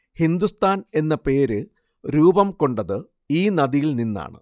ഹിന്ദുസ്ഥാൻ എന്ന പേര് രൂപം കൊണ്ടത് ഈ നദിയിൽ നിന്നാണ്